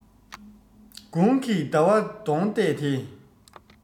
དགུང གི ཟླ བར གདོང གཏད དེ